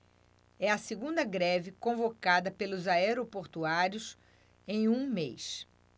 é a segunda greve convocada pelos aeroportuários em um mês